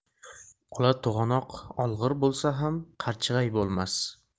ola to'g'anoq olg'ir bo'lsa ham qarchig'ay bo'lmas